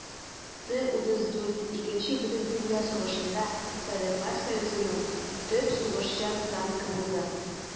Т-34 Икенче бөтендөнья сугышында Советлар Союзының төп сугышчан танкы булды.